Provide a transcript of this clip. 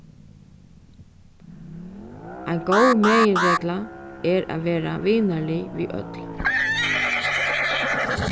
ein góð meginregla er at vera vinarlig við øll